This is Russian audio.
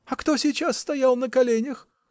А кто сейчас стоял на коленях?